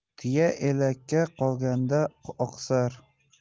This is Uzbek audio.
tuya elakka qolganda oqsar